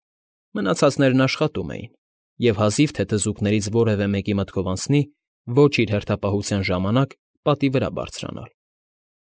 Մնացածներն աշխատում էին, և հազիվ թե թզուկներից որևէ մեկի մտքով անցնի ոչ իր հերթապահության ժամանակ պատի վրա բարձրանալ։